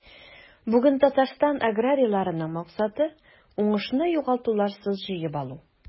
Бүген Татарстан аграрийларының максаты – уңышны югалтуларсыз җыеп алу.